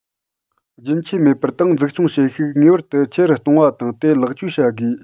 རྒྱུན ཆད མེད པར ཏང འཛུགས སྐྱོང བྱེད ཤུགས ངེས པར དུ ཆེ རུ གཏོང བ དང དེ ལེགས བཅོས བྱ དགོས